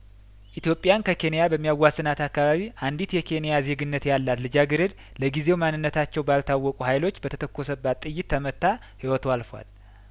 ኢትዮጵያን ከኬን ያበሚያዋስናት አካባቢ አንዲት የኬንያ ዜግነት ያላት ልጃገረድ ለጊዜው ማንነታቸው ባልታወቁ ሀይሎች በተተኮሰባት ጥይት ተመትታ ህይወቷ አልፏል